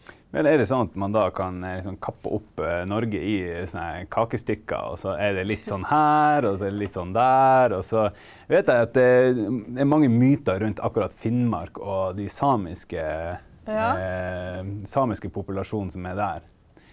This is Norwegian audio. men er det sånn at man da kan liksom kappe opp Norge i sånn her kakestykker, også er det litt sånn her og så er det litt sånn der og så vet jeg at det er mange myter rundt akkurat Finnmark og de samiske samiske populasjonen som er der.